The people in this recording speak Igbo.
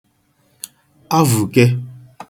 avụ̀ke